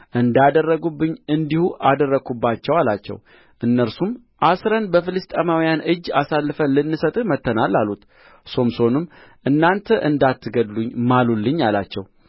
እንዳደረጉብኝ እንዲሁ አደረግሁባቸው አላቸው እነርሱም አስረን በፍልስጥኤማውያን እጅ አሳልፈን ልንሰጥህ መጥተናል አሉት ሶምሶንም እናንተ እንዳትገድሉኝ ማሉልኝ አላቸው